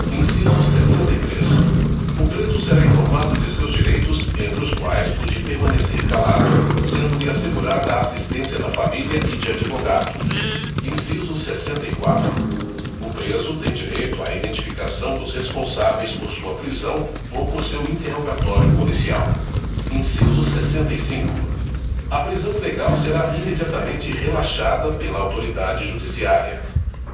inciso sessenta e três o preso será informado de seus direitos entre os quais o de permanecer calado sendo lhe assegurada a assistência da família e de advogado inciso sessenta e quatro o preso tem direito à identificação dos responsáveis por sua prisão ou por seu interrogatório policial inciso sessenta e cinco a prisão ilegal será imediatamente relaxada pela autoridade judiciária